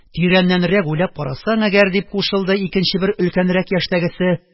– тирәннәнрәк уйлап карасаң әгәр, – дип кушылды икенче бер өлкәнрәк яшьтәгесе,